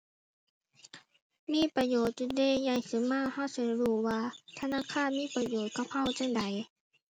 มีประโยชน์อยู่เดะ ใหญ่ขึ้นมาเราสิได้รู้ว่า ธนาคารมีประโยชน์กับเราจั่งใด